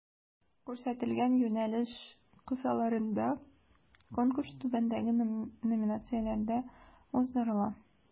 Күрсәтелгән юнәлеш кысаларында Конкурс түбәндәге номинацияләрдә уздырыла: